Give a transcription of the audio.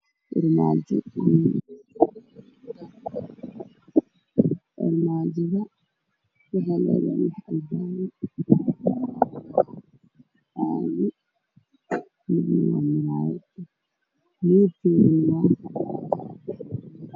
Meshaan waxaa yaalo sakan biyo kujiraan wuxuuna saaran yahay miis dushiisa